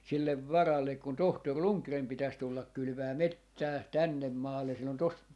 sille varalle kun tohtori Rundgren pitäisi tulla kylvämään metsää tänne maalle sillä on tuossa